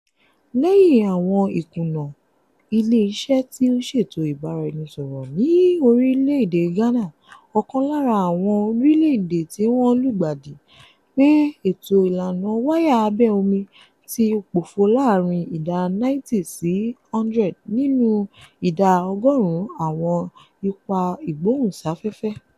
Lẹ́yìn àwọn ìkùnà, ilé iṣẹ́ tí ó ṣètò ìbáraẹnisọ̀rọ̀ ní orílẹ̀ èdè Ghana, ọ̀kan lára àwọn orílẹ̀ èdè tí wọ́n lùgbàdì, pé ètò ìlànà wáyà abẹ́ omi ti pòfo láàárín ìdá 90 sí 100 nínú ìdá ọgọ́rùn-ún àwọn ipá ìgbóhùnsáfẹ́fẹ́.